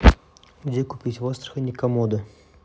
где купить в астрахани комоды